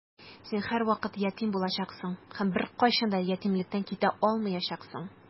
Син һәрвакыт ятим булачаксың һәм беркайчан да ятимлектән китә алмаячаксың.